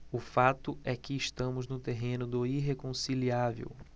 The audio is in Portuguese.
o fato é que estamos no terreno do irreconciliável